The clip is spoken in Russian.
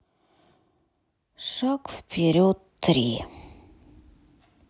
шаг вперед три